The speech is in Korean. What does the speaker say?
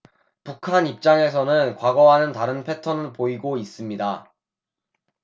북한 입장에서는 과거와는 다른 패턴은 보이고 있습니다